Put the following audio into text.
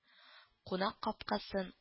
Кунак капкасын